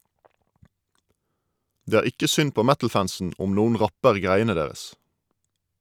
Det er ikke synd på metalfansen om noen rapper greiene deres.